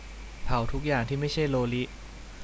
เผาทุกอย่างที่ไม่ใช่โลลิ